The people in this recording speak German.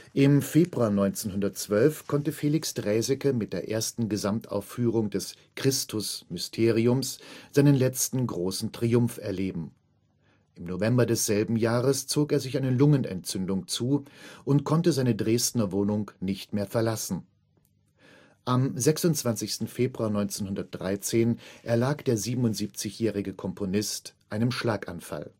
Im Februar 1912 konnte Felix Draeseke mit der ersten Gesamtaufführung des Christus-Mysteriums seinen letzten großen Triumph erleben. Im November desselben Jahres zog er sich eine Lungenentzündung zu und konnte seine Dresdner Wohnung nicht mehr verlassen. Am 26. Februar 1913 erlag der 77-jährige Komponist einem Schlaganfall